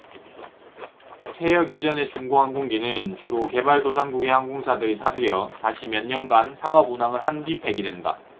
퇴역 이전의 중고 항공기는 주로 개발도상국의 항공사들이 사들여 다시 몇년간 상업운항을 한 뒤 폐기된다